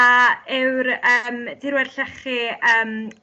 A yw'r ymm tirwedd llechi